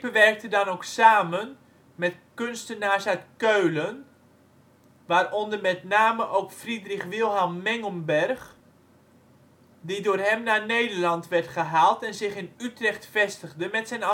werkte dan ook samen met kunstenaars uit Keulen waaronder met name ook Friedrich Wilhelm Mengelberg die door hem naar Nederland werd gehaald en zich in Utrecht vestigde met zijn